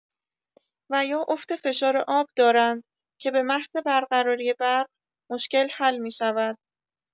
و یا افت فشار آب دارند که به محض برقراری برق، مشکل حل می‌شود